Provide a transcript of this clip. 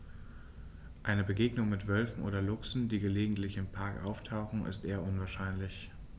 Eine Begegnung mit Wölfen oder Luchsen, die gelegentlich im Park auftauchen, ist eher unwahrscheinlich.